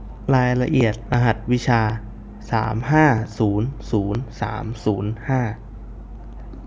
รายละเอียดรหัสวิชาสามห้าศูนย์ศูนย์สามศูนย์ห้า